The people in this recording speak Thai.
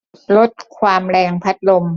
ลดความแรงพัดลม